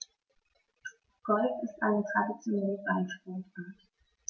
Golf ist eine traditionelle Ballsportart.